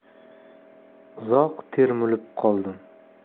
uzoq termilib qoldim